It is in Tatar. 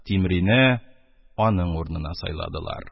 Тимрине аның урынына сайладылар.